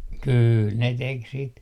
kyllä ne teki sitä